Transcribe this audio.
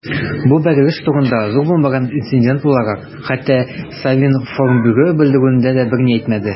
Бу бәрелеш турында, зур булмаган инцидент буларак, хәтта Совинформбюро белдерүендә дә берни әйтелмәде.